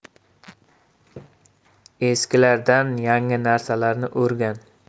eskilardan yangi narsalarni o'rgan